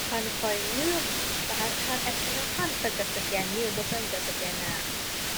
คันข้อยลืมรหัสผ่านแอปธนาคาร ข้อยก็สแกนนิ้ว บ่ซั้นก็สแกนหน้า